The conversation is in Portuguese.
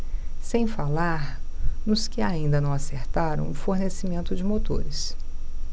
sem falar nos que ainda não acertaram o fornecimento de motores